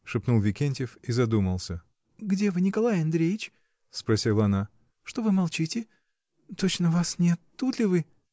— шепнул Викентьев и задумался. — Где вы, Николай Андреич? — спросила она. — Что вы молчите? Точно вас нет: тут ли вы?